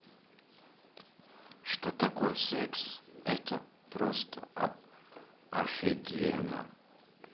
что такое секс